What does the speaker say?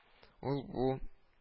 Ул бу